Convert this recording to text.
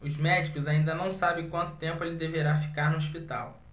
os médicos ainda não sabem quanto tempo ele deverá ficar no hospital